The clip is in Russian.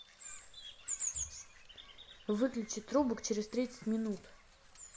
выключи трубок через тридцать минут